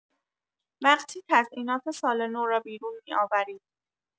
وقتی تزیینات سال‌نو را بیرون می‌آورید.